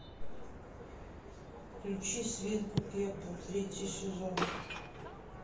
включи свинку пеппу третий сезон